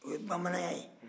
o ye bamananya ye